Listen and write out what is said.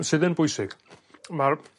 Sydd yn bwysig ma'r